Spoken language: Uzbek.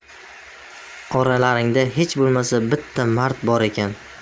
oranglarda hech bo'lmasa bitta mard bor ekan